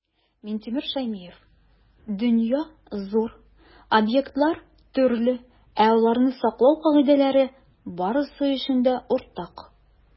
Минтимер Шәймиев: "Дөнья - зур, объектлар - төрле, ә аларны саклау кагыйдәләре - барысы өчен дә уртак".